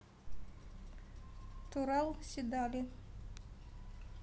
tural седали